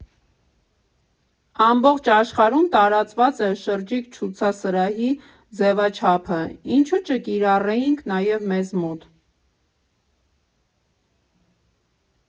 Ամբողջ աշխարհում տարածված է շրջիկ ցուցասրահի ձևաչափը, ինչու՞ չկիրառեինք նաև մեզ մոտ։